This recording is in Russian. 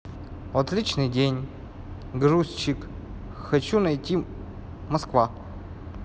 отличный день грузчик хочу найти москва